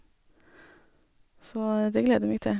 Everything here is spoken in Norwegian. Så det gleder jeg meg til.